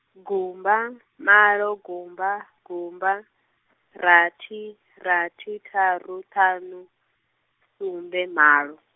gumba, malo gumba, gumba, rathi, rathi ṱharu ṱhanu, sumbe malo.